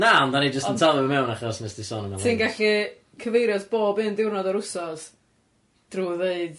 Na, ond 'dan ni jyst yn taflu fe mewn achos wnes di sôn amdano fe. Ti'n gallu cyfeirio ath bob un diwrnod o'r wsos drw ddeud,